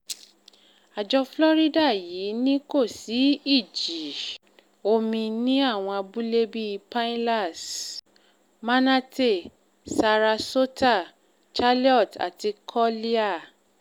Àjọ Florida yìí ní kò sí ìjì omi ní àwọn abúlé bíi Pinellas, Manatee, Sarasota, Charlotte àti Collier.